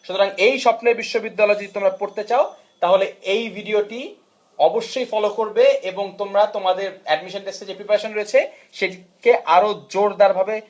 সুতরাং এই স্বপ্নের বিশ্ববিদ্যালয় যদি তোমরা পড়তে চাও তাহলে এই ভিডিওটি অবশ্যই ফলো করবে এবং তোমরা তোমাদের এডমিশন টেস্ট প্রিপারেশন রয়েছে সেটিকে আরো জোরদার ভাবে